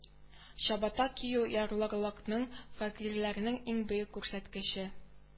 Чабата кию ярлылыкның фәкыйрьләрнең иң бөек күрсәткече